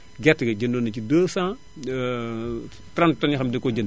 gerte ga jëndoon na ci 200 30 tonnes yoo xam ne dan koo jënd